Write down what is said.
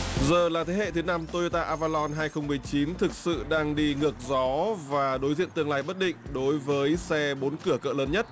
là thế hệ thứ năm tô rô ta a vơ lon hai không mười chín thực sự đang đi ngược gió và đối diện tương lai bất định đối với xe bốn cửa cỡ lớn nhất